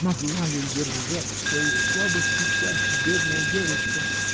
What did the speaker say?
Могла ли удержать в своих слабых сетях бедная девочка.